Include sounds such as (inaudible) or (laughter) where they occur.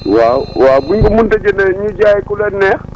waaw waaw bu ñu ko munut a jëndee (noise) ñu jaay ku leen neex